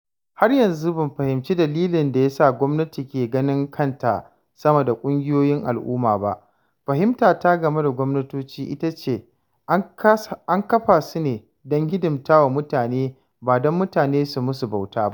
Har yanzu ban fahimci dalilin da ya sa gwamnati ke ganin kanta sama da ƙungiyoyin al'umma ba, fahimtata game da gwamnatoci ita ce an kafa su ne don hidimta wa mutane ba don mutanen su musu bauta ba.